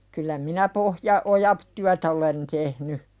kyllä minä - pohjaoja työtä olen tehnyt